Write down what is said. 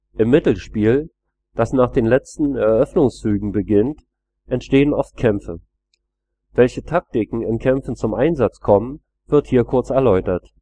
Im Mittelspiel, das nach den letzten Eröffnungszügen beginnt, entstehen oft Kämpfe. Welche Taktiken in Kämpfen zum Einsatz kommen, wird hier kurz erläutert